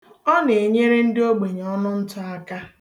Ọ na-enyere ndị ogbenyeọnụntụ aka